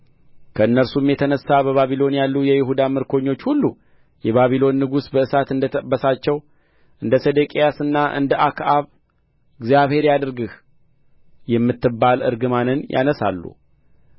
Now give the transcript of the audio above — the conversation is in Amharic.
ከእነርሱም የተነሣ በባቢሎን ያሉ የይሁዳ ምርኮኞች ሁሉ የባቢሎን ንጉሥ በእሳት እንደ ጠበሳቸው እንደ ሴዴቅያስና እንደ አክዓብ እግዚአብሔር ያድርግህ የምትባል እርግማንን ያነሣሉ